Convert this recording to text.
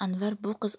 anvar bu qiz